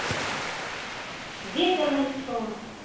ветер на лицо